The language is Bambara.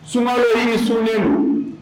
Sumaworo ye hinɛ sunnen don